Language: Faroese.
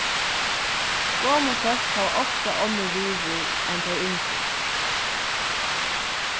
gomul fólk hava ofta onnur virðir enn tey ungu